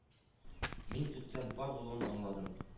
Мин көткән пар булуын аңладым